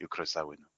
i'w croesawu n'w.